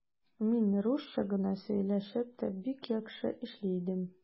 Мин русча гына сөйләшеп тә бик яхшы эшли идем.